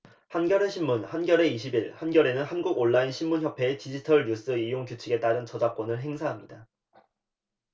한겨레신문 한겨레 이십 일 한겨레는 한국온라인신문협회의 디지털뉴스이용규칙에 따른 저작권을 행사합니다